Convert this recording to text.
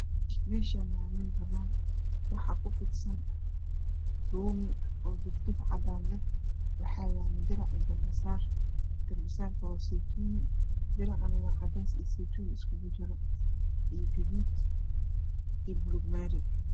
Meeshaan waa meel banaan waxaa kufidsan luumi oo dufduf cadaan ah waxaa yaal dirac iyo garba saar. Garbasaarku waa saytuun, diracana waa cadeys iyo saytuun isku jira iyo gaduud iyo buluug maari.